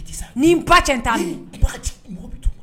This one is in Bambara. Ni n ba cɛ, n t'a di murmure